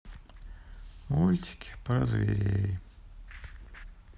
мультики про зверей